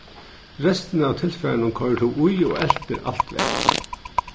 restina av tilfarinum koyrir tú í og eltir alt væl